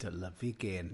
Dylyfu gên.